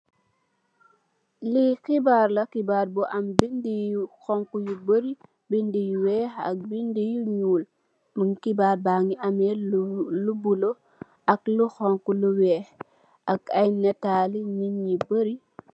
Lee xebarr la xebarr bu am bede yu xonxo yu bory bede yu weex ak bede yu nuul mu xebarr bage ameh lu bulo ak lu xonxo lu weex ak aye natale neetnye bory.